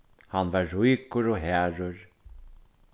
hann var ríkur og harður